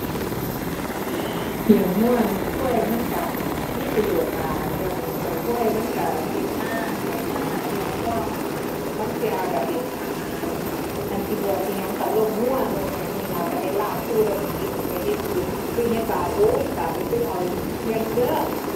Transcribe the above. เลี้ยงวัวเลี้ยงควายมันวัวมีประโยชน์หั้นล่ะ เลี้ยง เลี้ยงควายมันวัวเฮ็ดนา ไถนา เลี้ยงวัวมัน บาง บางเทื่อวัวเป็นอาหาร หั้นสิบวชสิหยังวัวล้มวัวล้มหยังนี่ล่ะ วัวได้ลาบสู่กันกิน วัวเฮ็ดบุญหรือเฮ็ดบาปบุฝากไปวัวเอาอีกเทื่อหนึ่งเด้อ